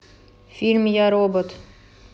фильм я робот